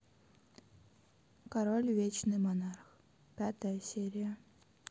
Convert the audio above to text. король вечный монарх пятая серия